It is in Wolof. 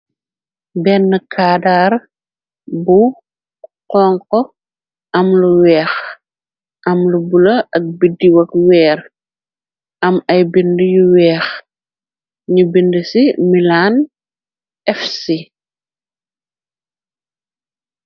Benn kaadaar bu honk am lu weeh, am lu bulo ak biddiw ak weer. Am ay bindi yu weeh nu bindi ci milaan FC.